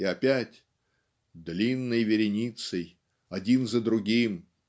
и опять "длинной вереницей один за другим